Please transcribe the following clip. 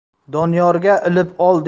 doniyorga ilib ol